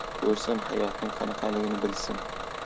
ko'rsin hayotning qanaqaligini bilsin